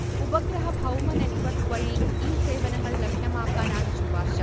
ഉപഗ്രഹ ഭൗമ നെറ്റ്വർക്ക് വഴി ഈ സേവനങ്ങൾ ലഭ്യമാക്കാനാണു ശുപാർശ